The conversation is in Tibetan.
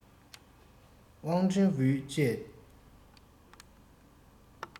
རང སྐད སྲོང པོར བརྗོད པའི སྨྲ བ མེད